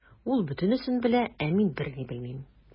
Ул бөтенесен белә, ә мин берни белмим.